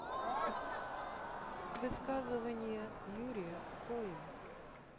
высказывания юрия хоя